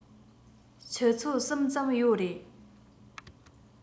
ཆུ ཚོད གསུམ ཙམ ཡོད རེད